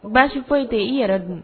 Baasi foyi tɛ i yɛrɛ dun